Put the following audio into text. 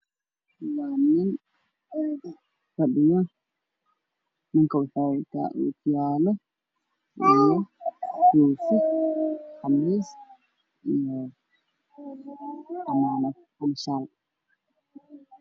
Waa nin fadhiyaan meel wuxuu wataa khamiis caddaan ayaa mid caddaan wakiilo dargii ka dambeeyay wacdaanWaa nin fadhiyaan meel wuxuu wataa khamiis caddaan ayaa mid caddaan wakiilo dargii ka dambeeyay wacdaan